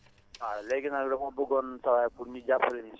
waaw léegi nag dama bëggoon saa waay pour ñu jàppale ñu si